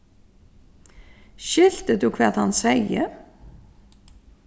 skilti tú hvat hann segði